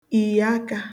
ìyèaka